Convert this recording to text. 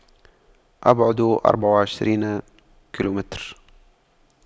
أبعد أربع وعشرين كيلومتر